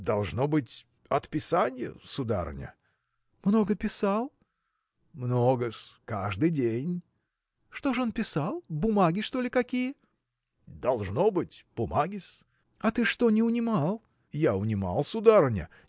– Должно быть, от писанья, сударыня. – Много писал? – Много-с; каждый день. – Что ж он писал? бумаги, что ли, какие? – Должно быть, бумаги-с. – А ты что не унимал? – Я унимал, сударыня